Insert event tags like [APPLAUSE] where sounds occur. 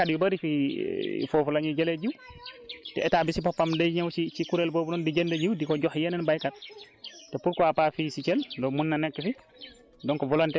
gis nañu fi benn kuréel bu tudd RESOP bu nekk Thiès fii béykat yu bëri fii [HESITATION] foofu la ñuy jëlee jiw te état bi si boppam day ñëw ci ci kuréel boobu noonu di jënd jiw di ko jox yeneen béykat